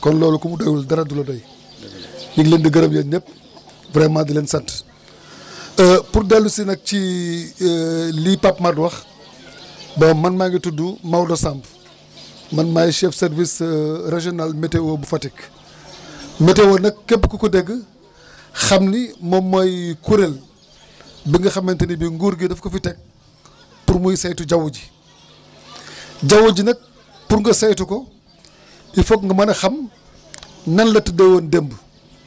kon loolu ku mu doyul dara du la doy ñu ngi leen di gërëm yéen ñëpp vraiment di leen sant pour dellu si nag ci li Pape Madd wax bon man maa ngi tudd Maodo Samb man maay chef service régional météo bu Fatick météo nag képp ku ko dégg xam ni moom mooy kuréel bi nga xamante ni bi nguur gi daf ko fi teg pour muy saytu jaww ji jaww ji nag pour nga saytu ko il faut nga mën a xam nan la tëddeewoon démb